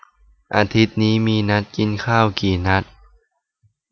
อาทิตย์นี้มีนัดกินข้าวกี่นัด